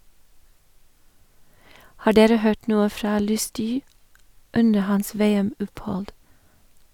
- Har dere hørt noe fra Lustü under hans VM-opphold?